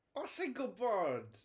O, sa i'n gwybod!